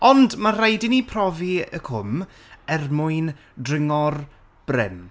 Ond, ma' rhaid i ni profi y cwm er mwyn dringo'r bryn.